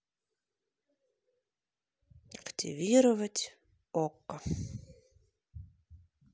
активировать окко